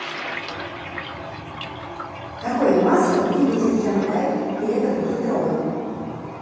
какое масло в двигатель хендай крета двухлитровый